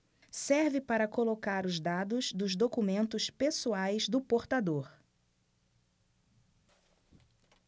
serve para colocar os dados dos documentos pessoais do portador